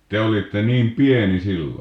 te olitte niin pieni silloin